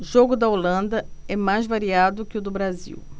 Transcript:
jogo da holanda é mais variado que o do brasil